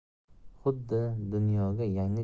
xuddi dunyoga yangi